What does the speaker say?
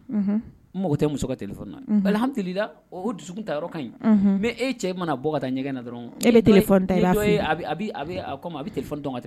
Mɔgɔ tɛ muso ka teli nalhalilila o dusu ta yɔrɔ ka ɲi mɛ e cɛ mana bɔ ka taa ɲɛgɛn na dɔrɔn tɛele ta a bɛ a bɛ tɛ dɔn ta